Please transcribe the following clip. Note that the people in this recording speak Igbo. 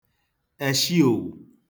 èshịòwù